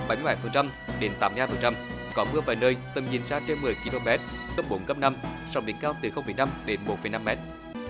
bảy mươi bảy phần trăm đến tám mươi hai phần trăm có mưa vài nơi tầm nhìn xa trên mười ki lô mét bốn cấp năm sóng biển cao từ không phẩy năm đến bốn phẩy năm mét